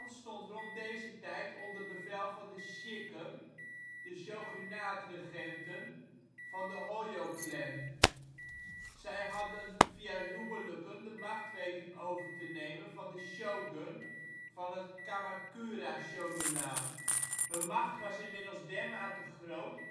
stond rond deze tijd onder bevel van de Shikken (Shogunaat-regenten) van de Hojo-clan. Zij hadden via huwelijken de macht weten over te nemen van de shogun van het Kamakura-shogunaat. Hun macht was inmiddels dermate groot